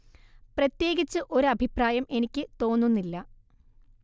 പ്രത്യേകിച്ച് ഒരു അഭിപ്രായം എനിക്ക് തോന്നുന്നില്ല